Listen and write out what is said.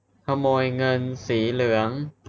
ขโมยเงินสีเหลือง